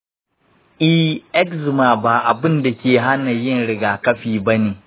ee, eczema ba abin da ke hana yin rigakafi ba ne.